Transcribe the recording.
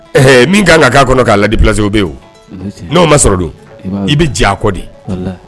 Ɛɛ min ka kan ka kɔnɔ k'a la déplacer o bɛ yen o n'o ma sɔrɔ dun? I bɛ j'a kɔ de, walaye